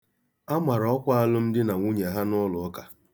A mara ọkwa alụmdi na nwunye ha n'ụlụụka.